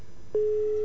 xeetu lan bi